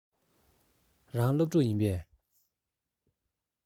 རང སློབ ཕྲུག ཡིན པས